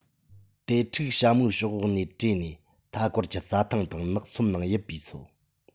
དེ ཕྲུག བྱ མོའི གཤོག འོག ནས བྲོས ནས མཐའ འཁོར གྱི རྩྭ དང ནགས ཚོམ ནང ཡིབ པས སོ